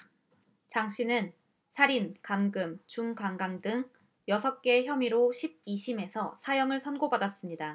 장씨는 살인 감금 준강간 등 여섯 개 혐의로 십 이 심에서 사형을 선고받았습니다